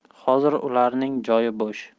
hozir ularning joyi bo'sh